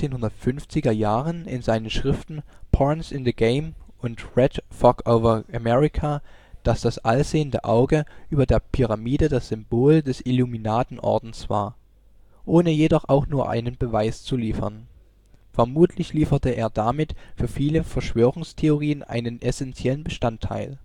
1950er Jahren in seinen Schriften „ Pawns in the Game “und „ Red Fog over America “, dass das allsehende Auge über der Pyramide das Symbol des Illuminatenordens war - ohne jedoch auch nur einen Beweis zu liefern. Vermutlich lieferte er damit für viele Verschwörungstheorien einen essenziellen Bestandteil